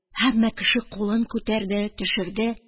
Һәммә кеше кулын күтәрде, төшерде.